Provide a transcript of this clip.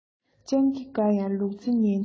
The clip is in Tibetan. སྤྱང ཀི དགའ ཡང ལུག རྫི ཉན མདོག མེད